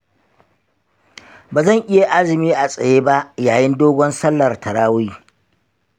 ba zan iya azumi a tsaye ba yayin dogon sallar taraweeh.